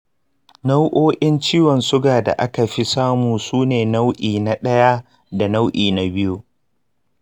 nau'o'in ciwon suga da aka fi samu su ne nau'i na daya da nau'i na biyu.